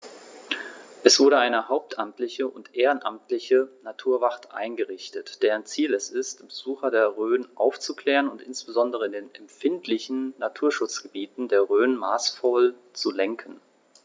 Es wurde eine hauptamtliche und ehrenamtliche Naturwacht eingerichtet, deren Ziel es ist, Besucher der Rhön aufzuklären und insbesondere in den empfindlichen Naturschutzgebieten der Rhön maßvoll zu lenken.